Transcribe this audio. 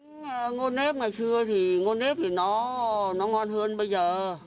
ngô nếp ngày xưa thì ngô nếp thì nó nó ngon hơn bây giờ